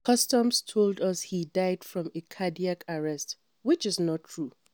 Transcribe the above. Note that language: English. Customs told us he died from a cardiac arrest, which is not true.